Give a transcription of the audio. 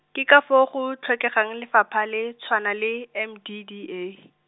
ke ka foo go tlhokegang lefapha le tshwana le M D D A.